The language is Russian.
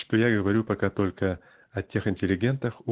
что я говорю пока только о тех интеллигентах